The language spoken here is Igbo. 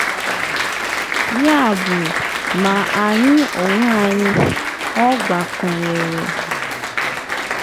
Yabụ ma anyị onwe anyị,” ọ gbakwunyere.